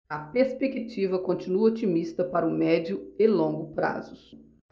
a perspectiva continua otimista para o médio e longo prazos